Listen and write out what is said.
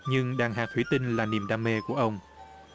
nhưng đàn hạt thủy tinh là niềm đam mê của ông